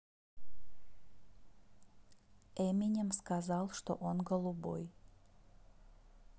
eminem сказал что он голубой